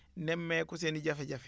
nemmeeku seen i jafe-jafe